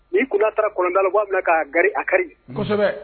Nii ko taara kɔnɔnlɔnda la k'a bila k'a garir- akari